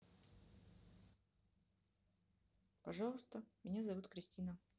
пожалуйста меня зовут кристина